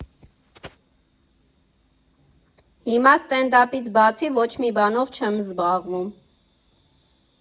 Հիմա ստենդափից բացի ոչ մի բանով չեմ զբաղվում։